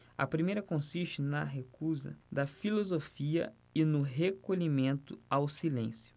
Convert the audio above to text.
a primeira consiste na recusa da filosofia e no recolhimento ao silêncio